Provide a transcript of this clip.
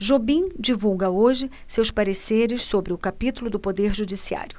jobim divulga hoje seus pareceres sobre o capítulo do poder judiciário